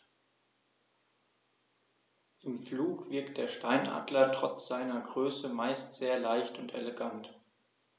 Im Flug wirkt der Steinadler trotz seiner Größe meist sehr leicht und elegant.